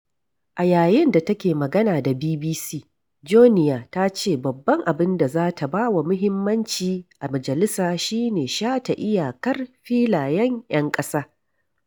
A yayin da take magana da BBC, Joenia ta ce babban abin da za ta ba wa muhimmanci a majalisa shi ne shata iyakar filayen 'yan ƙasa: